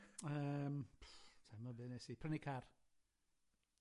Yym sai mod be' nes i. Prynu car.